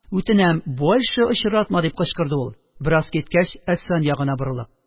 Үтенәм, больше очратма, – дип кычкырды ул, бераз киткәч Әсфан ягына борылып